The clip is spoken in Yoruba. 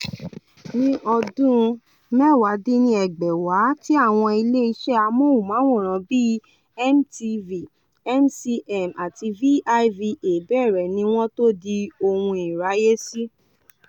Ní ọdún 1990 tí àwọn ilé-iṣẹ́ amóhùnmáwòrán bíi MTV, MCM àti VIVA bẹ̀rẹ̀ ni wọ́n tó di ohun ìráyé sí.